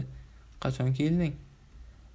qachon kelding